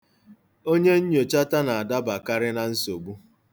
Onye nnyochata na-adabakarị na nsogbu.